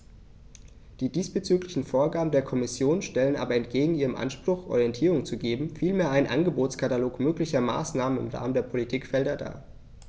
Die diesbezüglichen Vorgaben der Kommission stellen aber entgegen ihrem Anspruch, Orientierung zu geben, vielmehr einen Angebotskatalog möglicher Maßnahmen im Rahmen der Politikfelder dar.